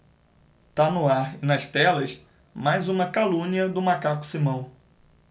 tá no ar e nas telas mais uma calúnia do macaco simão